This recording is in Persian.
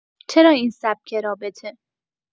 چرا این سبک رابطه؟